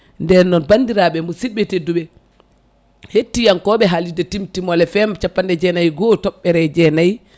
nden noon bandiraɓe musibɓe tedduɓe hettiyankoɓe haalirde Timtimol FM capanɗe jeenayyi e goho toɓɓere jeenayyi